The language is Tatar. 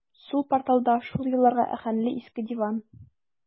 Сул порталда шул елларга аһәңле иске диван.